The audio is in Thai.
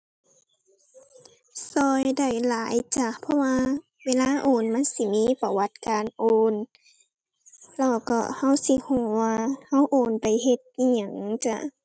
ช่วยได้หลายจ้ะ เพราะว่าเวลาโอนมันสิมีประวัติการโอน แล้วก็ช่วยสิช่วยว่าช่วยโอนไปเฮ็ดอิหยังจ้า